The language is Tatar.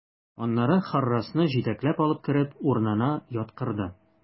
Аннары Харрасны җитәкләп алып кереп, урынына яткырды.